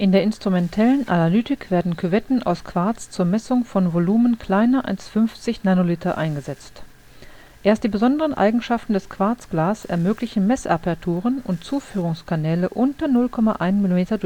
der instrumentellen Analytik werden Küvetten aus Quarz zur Messungen von Volumen kleiner als 50 Nanoliter eingesetzt. Erst die besonderen Eigenschaften des Quarzglas ermöglichen Messaperturen und Zuführungskanäle unter 0,1 mm Durchmesser